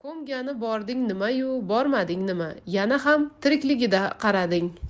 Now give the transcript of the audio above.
ko'mgani bording nima yu bormading nima yana ham tirikligida qarading